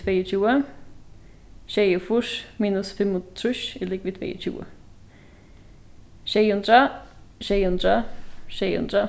tveyogtjúgu sjeyogfýrs minus fimmogtrýss er ligvið tveyogtjúgu sjey hundrað sjey hundrað sjey hundrað